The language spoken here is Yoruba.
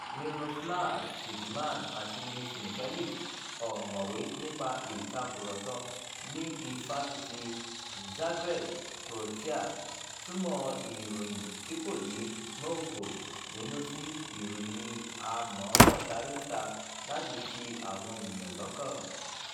Miroslav Tudjman àti Nives Mikelic, ọ̀mọ̀wé nípa ìtàkùrọ̀sọ ní Ifáfitì ti Zagreb, Croatia, túmọ̀ ìròyìn tí kò ní gbọ́ngbọ́n nínú sí "ìròyìn àmọ̀ọ́mọ̀ tari síta láti ṣi àwọn ènìyàn lọ́kàn".